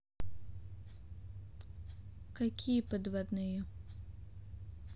какие подводные